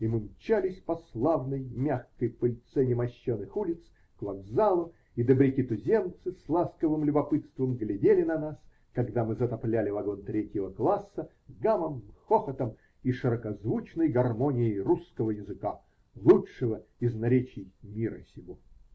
И мы помчались по славной, мягкой пыльце немощеных улиц к вокзалу, и добряки-туземцы с ласковым любопытством глядели на нас, когда мы затопляли вагон третьего класса гамом, хохотом и широкозвучной гармонией русского языка, лучшего из наречий мира сего!